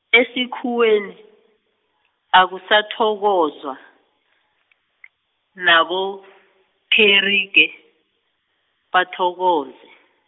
esikhuweni, akusathokozwa , nabo kherige, bathokoze.